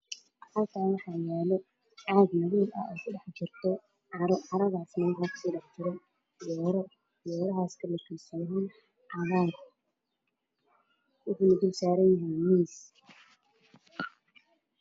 Halkaan waxaa yaalo caag madow ah waxaa kudhex jiro carro. Carradaasna waxaa kusii dhex jiro fiyoore midabkiisu waa cagaar waxuu dulsaaran yahay miis.